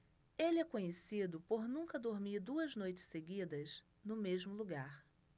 ele é conhecido por nunca dormir duas noites seguidas no mesmo lugar